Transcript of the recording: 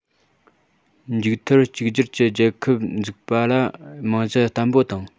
མཇུག མཐར གཅིག གྱུར གྱི རྒྱལ ཁབ འཛུགས པ ལ རྨང གཞི བརྟན པོ བཏིངས